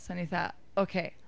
So o'n i fatha, ocê.